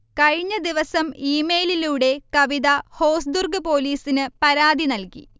കഴിഞ്ഞദിവസം ഇമെയിലിലൂടെ കവിത ഹോസ്ദുർഗ് പോലീസിന് പരാതി നൽകി